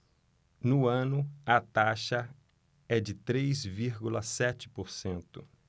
no ano a taxa é de três vírgula sete por cento